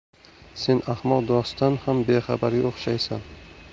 sen ahmoq rostdan ham bexabarga o'xshaysan